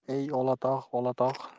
ey olatog' olatog'